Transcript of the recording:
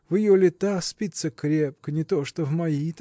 В ее лета спится крепко, не то что в мои